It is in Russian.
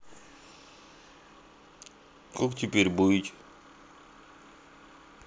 как теперь быть